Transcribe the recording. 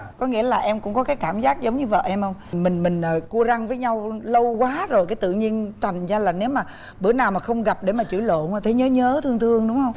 có nghĩa là em cũng có cái cảm giác giống như vợ em hông mình mình ở cua răng với nhau lâu quá rồi tự nhiên thành ra là nếu mà bữa nào mà không gặp để chửi lộn á thiếu nhớ nhớ thương thương đúng hông